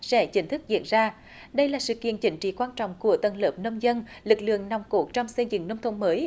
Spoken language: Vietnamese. sẽ chính thức diễn ra đây là sự kiện chính trị quan trọng của tầng lớp nông dân lực lượng nòng cốt trong xây dựng nông thôn mới